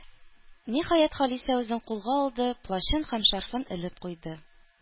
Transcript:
Ниһаять, Халисә үзен кулга алды, плащын һәм шарфын элеп куйды.